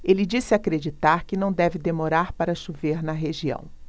ele disse acreditar que não deve demorar para chover na região